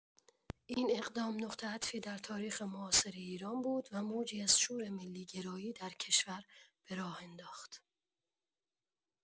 این اقدام، نقطه عطفی در تاریخ معاصر ایران بود و موجی از شور ملی‌گرایی در کشور به راه انداخت.